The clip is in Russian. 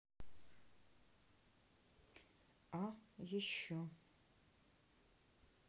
а еще